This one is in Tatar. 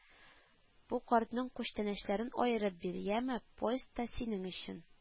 Бу картның күчтәнәчләрен аерып бир, яме, поездда синең өчен